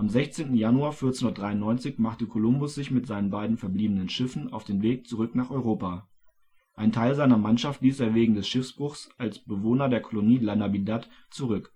16. Januar 1493 machte Kolumbus sich mit seinen beiden verbliebenen Schiffen auf den Weg zurück nach Europa, einen Teil seiner Mannschaft ließ er wegen des Schiffbruchs als Bewohner der Kolonie La Navidad zurück